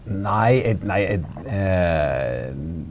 nei eg nei eg .